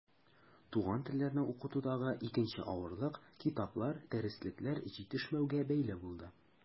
Туган телләрне укытудагы икенче авырлык китаплар, дәреслекләр җитешмәүгә бәйле булды.